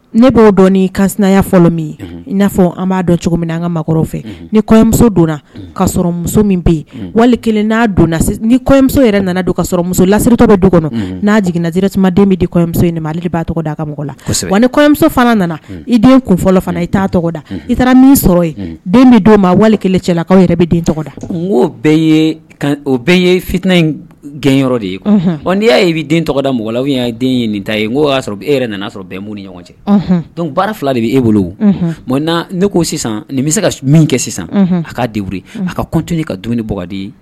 Ne b'o dɔni kaya fɔlɔ min i n'a fɔ an b'a dɔn cogo min na an ka makɔrɔba fɛ ni kɔɲɔmuso donna ka sɔrɔmuso min bɛ yen wali n' ni kɔɲɔmuso yɛrɛ nana don ka sɔrɔ muso laretɔ bɛ don kɔnɔ n'a jiginnadireti den bɛ di kɔɲɔmuso in ne ma ale b'a tɔgɔ da' ka mɔgɔ la wa ni kɔɲɔmuso fana nana i den kun fɔlɔ fana i t' tɔgɔda i taara min sɔrɔ yen den bɛ don ma wali kelen cɛla' yɛrɛ bɛ den tɔgɔda n bɛɛ o ye fit in gɛnyɔrɔ de ye n'i y'a bɛ den tɔgɔda mɔgɔ la den ye nin ta ye n' y'a sɔrɔ e yɛrɛ nana sɔrɔ bɛn minnu ni ɲɔgɔn cɛ dɔnku baara fila de bɛ e bolo n ne ko sisan nin bɛ se ka min kɛ sisan a ka a ka kun ka dum nikaridi ye